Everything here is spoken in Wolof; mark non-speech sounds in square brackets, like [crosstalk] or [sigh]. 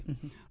[hesitation] [hesitation]